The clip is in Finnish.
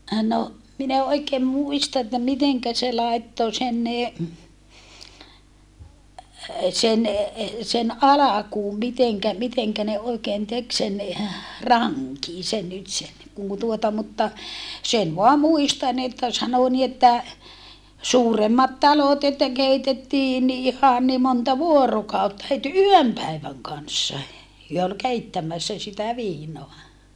no minä en oikein muista että miten se laittoi sen ne sen alkuun miten miten ne oikein teki sen rankin sen nyt sen kun tuota mutta sen vain muistan että sanoi niin että suuremmat talot että keitettiin niin ihan niin monta vuorokautta heti yön päivän kanssa he oli keittämässä sitä viinaa